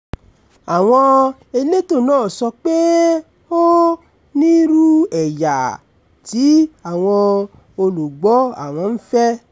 Àwọn elétò náà sọ pé ó "nírú ẹ̀yà" tí àwọn olugbọ́ àwọn ń fẹ́.